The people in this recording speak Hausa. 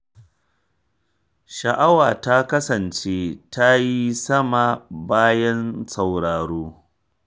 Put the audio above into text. Sha’awa ta kasance ta yi sama bayan sauraron.